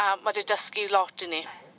A ma' 'di dysgu i lot i ni.